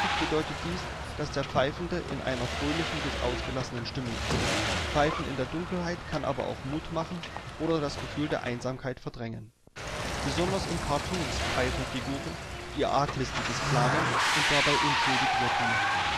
bedeutet dies, dass der Pfeifende in einer fröhlichen bis ausgelassenen Stimmung ist, Pfeifen in der Dunkelheit kann aber auch Mut machen oder das Gefühl der Einsamkeit verdrängen. Besonders in Cartoons pfeifen Figuren, die Arglistiges planen und dabei unschuldig wirken möchten